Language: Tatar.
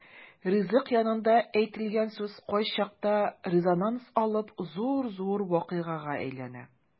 Ризык янында әйтелгән сүз кайчакта резонанс алып зур-зур вакыйгага әйләнә.